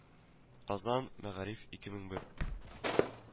Казан: Мәгариф, ике мең бер